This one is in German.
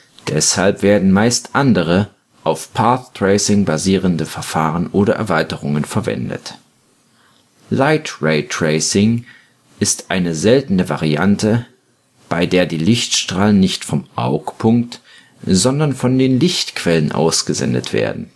Deshalb werden meist andere, auf Path Tracing basierende Verfahren oder Erweiterungen verwendet. Light Ray Tracing ist eine seltene Variante, bei der die Lichtstrahlen nicht vom Augpunkt, sondern von den Lichtquellen ausgesendet werden